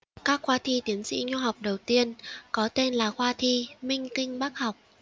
các khoa thi tiến sĩ nho học đầu tiên có tên là khoa thi minh kinh bác học